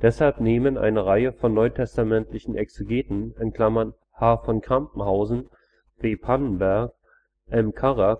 Deshalb nehmen eine Reihe von NT-Exegeten (H. v. Campenhausen, W. Pannenberg, M. Karrer